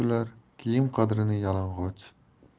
bilar kiyim qadrini yalang'och